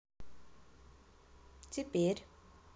теперь